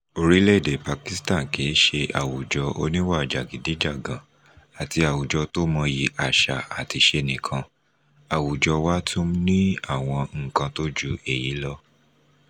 Orílẹ̀-èdè Pakistan kì í ṣe àwùjọ oníwà jàgídíjàgan àti àwùjọ tó mọ̀yi àṣà àtiṣe níkàn, àwùjọ wa tún ní àwọn nǹkan tó ju èyí lọ